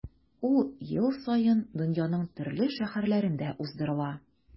Ул ел саен дөньяның төрле шәһәрләрендә уздырыла.